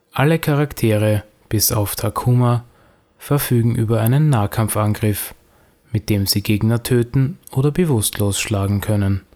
Alle Charaktere bis auf Takuma verfügen über einen Nahkampfangriff, mit dem sie Gegner töten oder bewusstlos schlagen können